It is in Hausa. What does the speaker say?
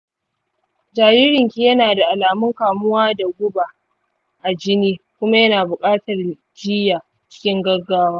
jaririnki yana da alamun kamuwa da guba a jini kuma yana buƙatar jiyya cikin gaggawa